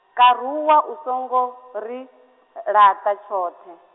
karuwa u songo, ri, laṱa tshoṱhe.